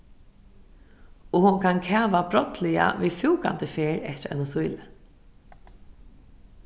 og hon kann kava brádliga við fúkandi ferð eftir einum síli